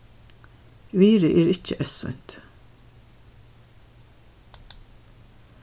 virðið er ikki eyðsýnt